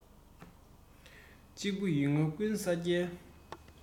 གཅིག པུ ཡིན ང ཀུན ས རྒྱལ